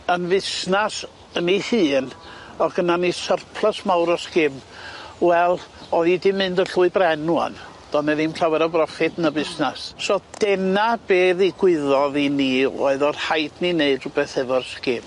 yn fusnas yn ei hun o'dd gynnon ni syrplys mawr o sgim wel o'dd 'i di mynd yn llwy bren ŵan, do' 'ne ddim llawer o broffit yn y busnas. So dena be' ddigwyddodd i ni oedd o'dd o rhaid ni neud rwbeth efo'r sgim.